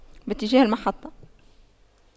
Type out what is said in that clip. باتجاه المحطة